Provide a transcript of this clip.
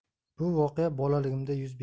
bu voqea bolaligimda